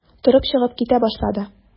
Торып чыгып китә башлады.